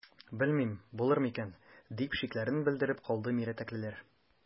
Белмим, булыр микән,– дип шикләрен белдереп калды мирәтәклеләр.